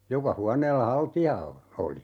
joka huoneella haltia on oli